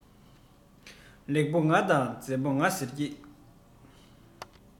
ལེགས པོ ང དང མཛེས པོ ང ཟེར གྱི